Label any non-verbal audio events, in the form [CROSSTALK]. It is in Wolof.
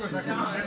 [HESITATION] [HESITATION] [CROSSTALK]